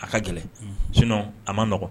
A ka gɛlɛn sin a maɔgɔn